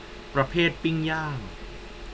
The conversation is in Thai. ประเภทปิ้งย่าง